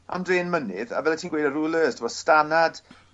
am drên mynydd a fel o' ti'n gweud y rouleurs fel Stannard